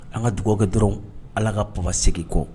An ka dugawukɛ dɔrɔn ala ka p panse kɔ